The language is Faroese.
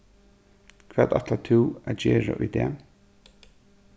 hvat ætlar tú at gera í dag